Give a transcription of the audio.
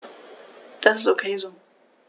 Das ist ok so.